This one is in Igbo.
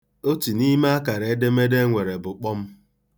Otu n'ime akara edemede e nwere bụ kpom.